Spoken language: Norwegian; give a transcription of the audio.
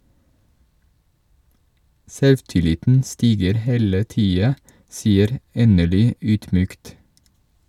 Selvtilliten stiger hele tida, sier Enerly ydmykt.